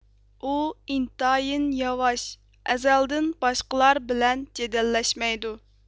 ئۇ ئىنتايىن ياۋاش ئەزەلدىن باشقىلار بىلەن جېدەللەشمەيدۇ